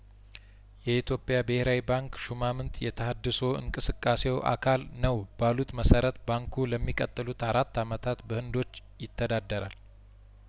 የኢትዮጵያ ብሄራዊ ባንክ ሹማምነት የተሀድሶ እንቅስቃሴው አካል ነው ባሉት መሰረት ባንኩ ለሚቀጥሉት አራት አመታት በህንዶች ይተዳደራል